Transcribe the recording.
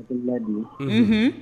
A ladon